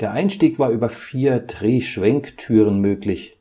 Der Einstieg war über vier Drehschwenktüren möglich.